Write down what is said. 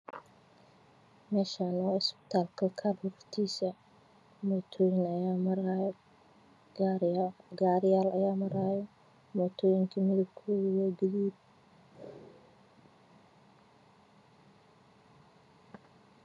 Meshan waa isbital kalkal hotisa motoyin aya maray io gariyan aya maray motoyinka midabkodu waa gaduud